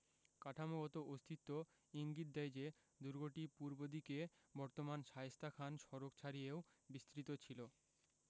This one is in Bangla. কাঠামোগত অস্তিত্ব ইঙ্গিত দেয় যে দুর্গটি পূর্ব দিকে বর্তমান শায়েস্তা খান সড়ক ছাড়িয়েও বিস্তৃত ছিল